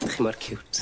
Dach chi mor ciwt.